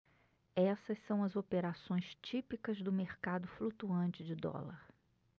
essas são as operações típicas do mercado flutuante de dólar